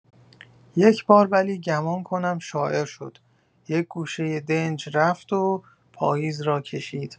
یک‌بار ولی گمان کنم شاعر شد، یک گوشۀ دنج رفت و پاییز را کشید!